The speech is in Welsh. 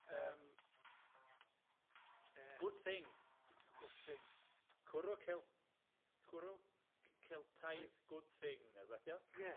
Yym yy good thing good thing cwrw Cel- cwrw Celtaidd good thing neu rwbeth 'di o. Ie.